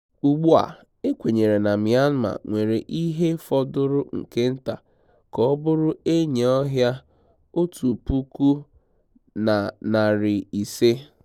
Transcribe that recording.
Ugbua, e kwenyere na Myanmar nwere ihe fọdụrụ nke nta ka ọ bụrụ enyi ọhịa 1,500.